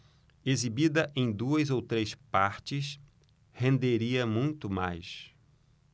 exibida em duas ou três partes renderia muito mais